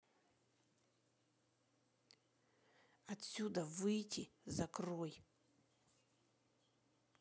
отсюда выйти закрой